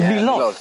Milodd? Ie milodd.